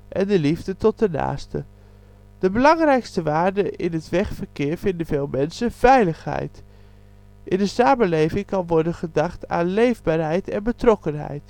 en de liefde tot de naaste. De belangrijkste waarde in het wegverkeer vinden veel mensen veiligheid. In de samenleving kan worden gedacht aan leefbaarheid en betrokkenheid